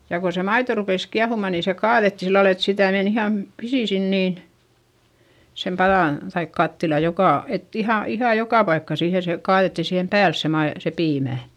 ja kun se maito rupesi kiehumaan niin se kaadettiin sillä lailla että sitä meni ihan pisin sinne niin sen padan tai kattilan joka että ihan ihan joka paikkaan siihen se kaadettiin siihen päälle se - se piimä